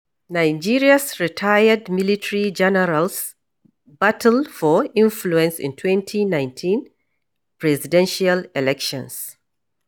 Nigeria's retired military generals battle for influence in 2019 presidential elections